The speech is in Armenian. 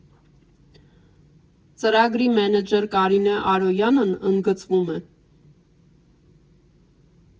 Ծրագրի մենեջեր Կարինե Արոյանն ընդգծում է.